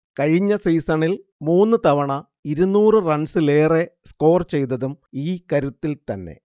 കഴിഞ്ഞ സീസണിൽ മൂന്നുതവണ ഇരുന്നൂറ് റൺസിലേറെ സ്കോർ ചെയ്തതും ഈ കരുത്തിൽത്തന്നെ